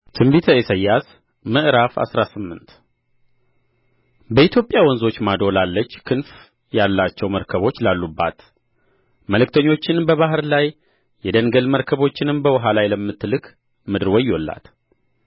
ትንቢተ ኢሳይያስ ምዕራፍ አስራ ስምንት በኢትዮጵያ ወንዞች ማዶ ላለች ክንፍ ያላቸው መርከቦች ላሉባት መልእክተኞችን በባሕር ላይ የደንገል መርከቦችንም በውኃ ላይ ለምትልክ ምድር ወዮላት